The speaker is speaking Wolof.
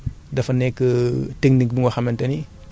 xam naa bu delloo ci ci wàllum li ñu naan binage